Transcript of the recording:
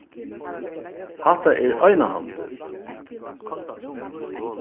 hatta er einahandil